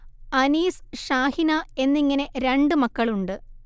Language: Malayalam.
അനീസ് ഷാഹിന എന്നിങ്ങനെ രണ്ട് മക്കളുണ്ട്